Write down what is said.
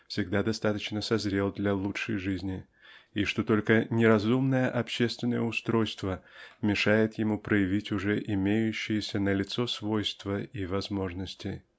всегда достаточно созрел для лучшей жизни и что только неразумное общественное устройство мешает ему проявить уже имеющиеся налицо свойства и возможности.